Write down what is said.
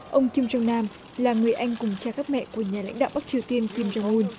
ông kim giông nam là người anh cùng cha khác mẹ của nhà lãnh đạo bắc triều tiên kim giông un